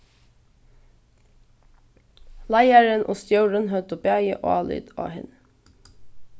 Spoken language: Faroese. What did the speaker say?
leiðarin og stjórin høvdu bæði álit á henni